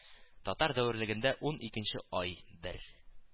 Татар дәверлегендә ун икенче ай бер